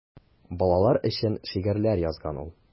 Балалар өчен шигырьләр язган ул.